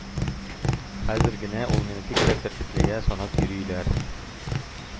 Хәзер генә ул мине бик тә тәртиплегә санап йөриләр.